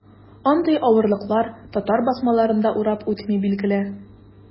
Андый авырлыклар татар басмаларын да урап үтми, билгеле.